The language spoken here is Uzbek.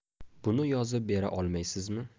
buni yozib bera olmaysizmi